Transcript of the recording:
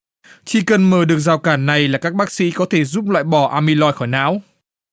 chỉ cần mời được rào cản này là các bác sĩ có thể giúp loại bỏ a mi noi khỏi não